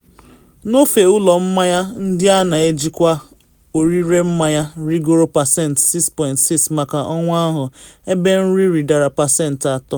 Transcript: N’ofe ụlọ mmanya ndị a na ejikwa ọrịre mmanya rịgoro pasentị 6.6 maka ọnwa ahụ, ebe nri rịdara pasenti atọ.”